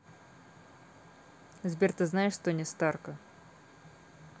сбер ты знаешь тони старка